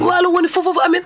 waalo woni fof fof amen